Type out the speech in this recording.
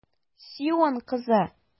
Сион кызы!